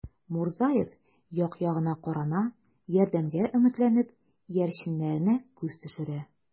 Мурзаев як-ягына карана, ярдәмгә өметләнеп, иярченнәренә күз төшерә.